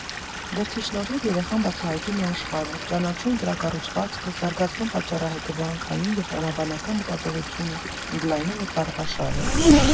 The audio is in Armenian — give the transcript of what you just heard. Գրքի շնորհիվ երեխան բացահայտում է աշխարհը, ճանաչում դրա կառուցվածքը, զարգացնում պատճառահետևանքային և տրամաբանական մտածողությունը, ընդլայնում իր բառապաշարը։